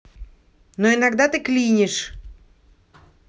но иногда ты клинишь